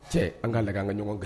Cɛ an ka la an ka ɲɔgɔn kɛ